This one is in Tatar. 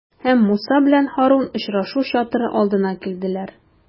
Һәм Муса белән Һарун очрашу чатыры алдына килделәр.